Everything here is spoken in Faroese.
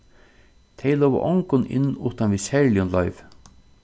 tey lova ongum inn uttan við serligum loyvi